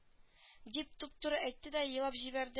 Дип туп-туры әйтте дә елап җибәрде